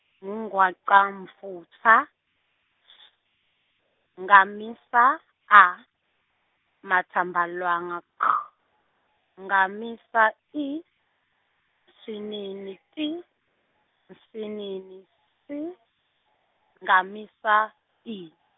ngungwacamfutfwa S, nkhamisa A, matsambalwanga K, nkhamisa E, nsinini T, nsinini si-, nkhamisa I.